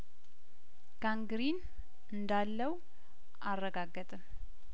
ጋን ግሪን እንዳለው አረጋገጥን